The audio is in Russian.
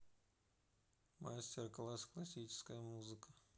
мастер класс классическая музыка